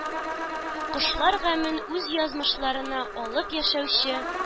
Кошлар гамен үз язмышларына алып яшәүче